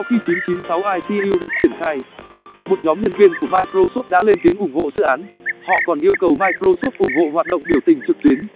sau khi icu được triển khai một nhóm nhân viên của microsoft đã lên tiếng ủng hộ dự án họ còn yêu cầu microsoft ủng hộ hoạt động biểu tình trực tuyến